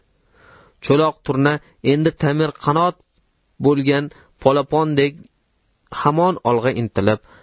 cho'loq turna endi temirqanot bo'lgan palapondek hamon olg'a intilib